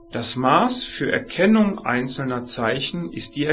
Das Maß für Erkennung einzelner Zeichen ist die